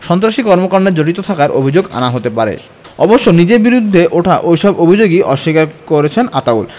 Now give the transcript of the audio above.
সন্ত্রাসী কর্মকাণ্ডে জড়িত থাকার অভিযোগ আনা হতে পারে অবশ্য নিজের বিরুদ্ধে ওঠা ঐসব অভিযোগই অস্বীকার করেছেন আতাউল